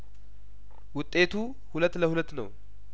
ውጤቱ ሁለት ለሁለት ነው